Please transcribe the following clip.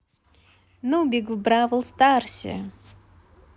нубик в бравл старсе